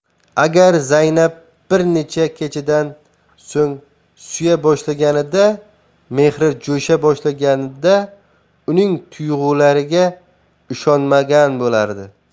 agar zaynab bir necha kechadan so'ng suya boshlaganida mehri jo'sha boshlaganida uning tuyg'ulariga ishonmagan bo'lardi